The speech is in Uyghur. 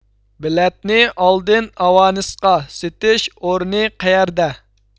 بېلەتنى ئالدىن ئاۋانىسقا سېتىش ئورنى قەيەردە